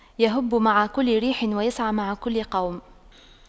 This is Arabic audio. يَهُبُّ مع كل ريح ويسعى مع كل قوم